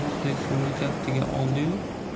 muzdek suvni kaftiga oldiyu